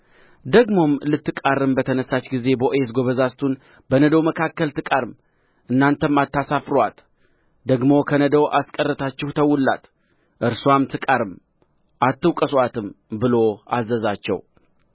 ደግሞም ልትቃርም በተነሣች ጊዜ ቦዔዝ ጐበዛዝቱን በነዶው መካከል ትቃርም እናንተም አታሳፍሩአት ደግሞ ከነዶው አስቀርታችሁ ተዉላት እርስዋም ትቃርም አትውቀሱአትም ብሎ አዘዛቸው